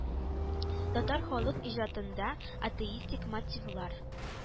Татар халык иҗатында атеистик мотивлар